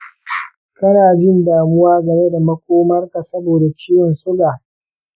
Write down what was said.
kana jin damuwa game da makomarka saboda ciwon suga?